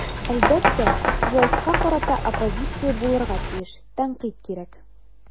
Әлбәттә, властька карата оппозиция булырга тиеш, тәнкыйть кирәк.